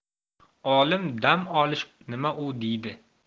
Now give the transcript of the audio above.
olim dam olish nima u deydi